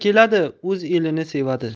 keladi o'z elini sevadi